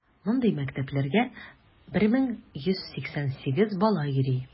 Мондый мәктәпләргә 1188 бала йөри.